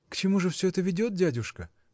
– К чему же все это ведет, дядюшка?